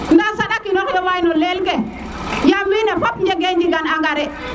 nda sa nda ki noox yo waay no lool yaam win we fop jege jigan engrais